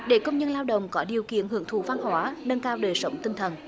để công nhân lao động có điều kiện hưởng thụ văn hóa nâng cao đời sống tinh thần